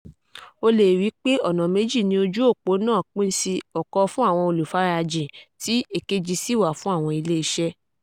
O lè ríi pé ọ̀nà méjì ni ojú òpó náà pín sí: ọ̀kan fún àwọn olùfarajìn tí èkejì sì wà fún àwọn ilé-iṣẹ́.